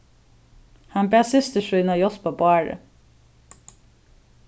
hann bað systur sína hjálpa bárði